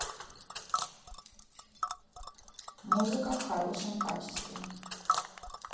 музыка в хорошем качестве